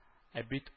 Ә бит